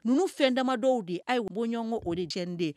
Nu fɛn dama dɔw de y' ye' bɔɲɔgɔnko o deɛn de